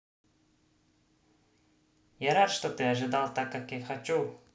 я рад что ты ожидал так как я хочу